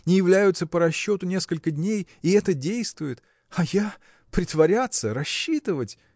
не являются по расчету несколько дней – и это действует. А я! притворяться, рассчитывать!